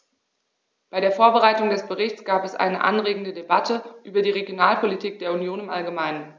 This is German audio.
Bei der Vorbereitung des Berichts gab es eine anregende Debatte über die Regionalpolitik der Union im allgemeinen.